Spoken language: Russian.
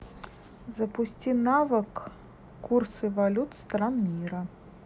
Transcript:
запусти навык курсы валют стран мира